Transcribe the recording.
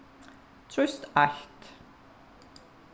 trýst eitt